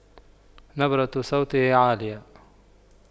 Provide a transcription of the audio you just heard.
نبرة صوته عالية